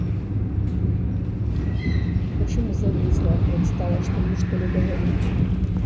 почему зависла предстала что мне что ли говорить